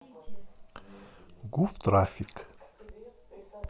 гуф трафик